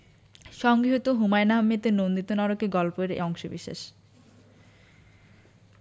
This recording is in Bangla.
সংগৃহীত হুমায়ুন আহমেদের নন্দিত নরকে গল্প এর অংশবিশেষ